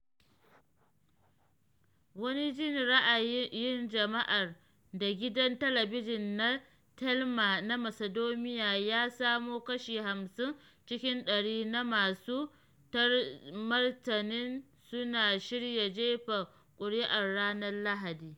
Wani jin ra’ayin jama’ar, da gidan talabijin na Telma na Macedonia, ya samo kashi 57 cikin ɗari na masu martanin suna shirya jefa kuri’ar ranar Lahadi.